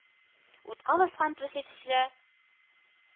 Утка баскан песи төсле,